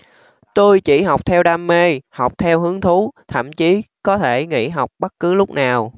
tôi chỉ học theo đam mê học theo hứng thú thậm chí có thể nghỉ học bất cứ lúc nào